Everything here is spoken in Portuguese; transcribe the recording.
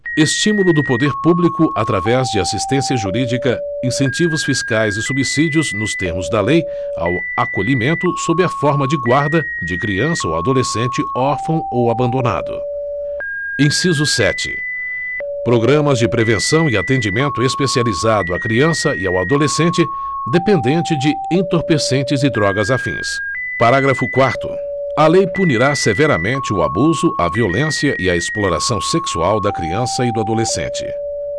estímulo do poder público através de assistência jurídica incentivos fiscais e subsídios nos termos da lei ao acolhimento sob a forma de guarda de criança ou adolescente órfão ou abandonado inciso sete programas de prevenção e atendimento especializado à criança e ao adolescente dependente de entorpecentes e drogas afins parágrafo quarto a lei punirá severamente o abuso a violência e a exploração sexual da criança e do adolescente